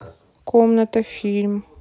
комната фильм